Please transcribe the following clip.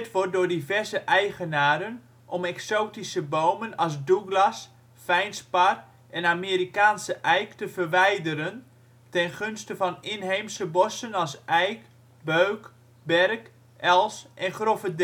wordt door diverse eigenaren om exotische bomen als douglas, fijnspar en Amerikaanse eik te verwijderen ten gunste van inheemse bomen als eik, beuk, berk, els en grove